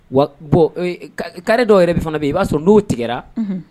Wa bɔn kari dɔw yɛrɛ bɛ fana yen i b'a sɔrɔ n'o tigɛ